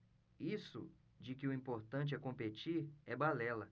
isso de que o importante é competir é balela